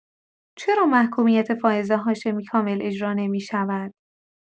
چرا محکومیت فائزه هاشمی کامل اجرا نمی‌شود؟